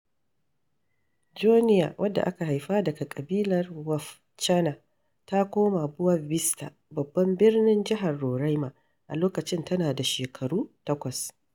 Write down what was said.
Joenia wadda aka haifa daga ƙabilar Wapchana, ta koma Boa ɓista, babban birnin jihar Roraima, a lokacin tana da shekaru takwas.